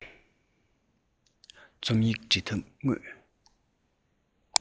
རྩོམ ཡིག འབྲི ཐབས དངོས